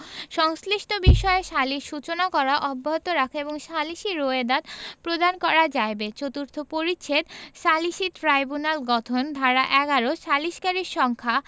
সংশ্লিষ্ট বিষয়ে সালিস সূচনা করা অব্যাহত রাখা এবং সালিসী রোয়েদাদ প্রদান করা যাইবে চতুর্থ পরিচ্ছেদ সালিসী ট্রাইব্যুনাল গঠন ধারা ১১ সালিসকারীর সংখ্যাঃ